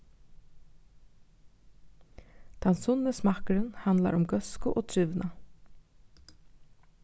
tann sunni smakkurin handlar um góðsku og trivnað